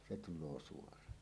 se tulee suora